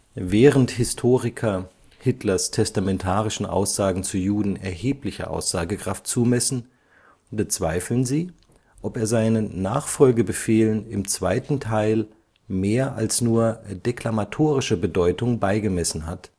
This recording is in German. Während Historiker Hitlers testamentarischen Aussagen zu Juden erhebliche Aussagekraft zumessen, bezweifeln sie, ob er seinen Nachfolgebefehlen im zweiten Teil „ mehr als nur deklamatorische Bedeutung beigemessen hat